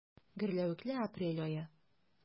Гөрләвекле апрель ае.